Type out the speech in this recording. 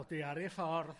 Bod 'i ar ei ffor.